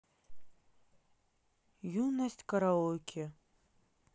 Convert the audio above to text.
юность караоке